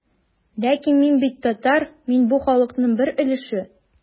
Ләкин мин бит татар, мин бу халыкның бер өлеше.